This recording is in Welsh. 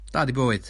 Da 'di bywyd?